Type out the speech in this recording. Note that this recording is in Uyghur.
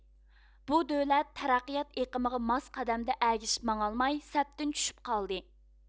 بۇ دۆلەت تەرەققىيات ئېقىمىغا ماس قەدەمدە ئەگىشىپ ماڭالماي سەپتىن چۈشۈپ قالدى